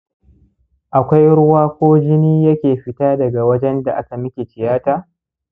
akwai ruwa ko jini yake fita daga wajenda aka miki tiyata